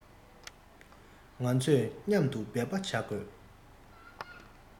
ང ཚོས མཉམ དུ འབད པ བྱ དགོས